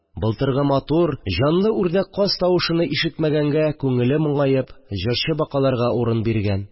Былтыргы матур, җанлы үрдәк-каз тавышыны ишетмәгәнгә күңеле моңаеп, җырчы бакаларга урын биргән